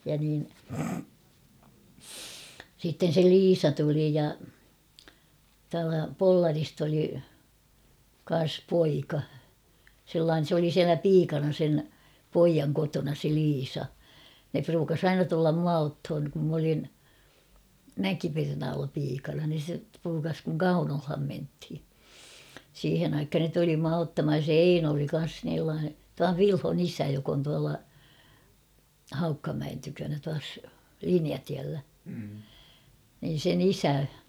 ja niin sitten se Liisa tuli ja tuolta Pollarista oli kanssa poika sellainen se oli siellä piikana sen pojan kotona se Liisa ne pruukasi aina tulla minua ottamaan kun minä olin Mäkipernaalla piikana niin se pruukasi kun Kaunolaan mentiin siihen aikaan ne tuli minua ottamaan ja se Eino oli kanssa - tuon Vilhon isä joka on tuolla Haukkamäen tykönä tuossa Linjatiellä niin sen isä